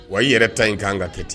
Wa i yɛrɛ ta in ka kan ka kɛ ten